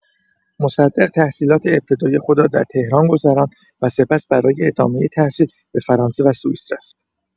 مصدق تحصیلات ابتدایی خود را در تهران گذراند و سپس برای ادامه تحصیل به فرانسه و سوئیس رفت.